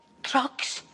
Drygs!